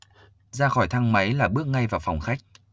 ra khỏi thang máy là bước ngay vào phòng khách